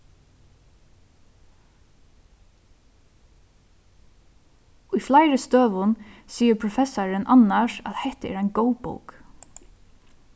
í fleiri støðum sigur professarin annars at hetta er ein góð bók